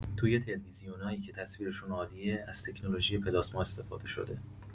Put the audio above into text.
تو تلویزیونایی که تصویرشون عالیه، از تکنولوژی پلاسما استفاده شده.